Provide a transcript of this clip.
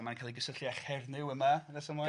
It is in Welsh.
a mae'n cael ei gysylltu â Chernyw yma nes ymlaen.